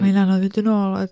Mae'n anodd fynd yn ôl oedd...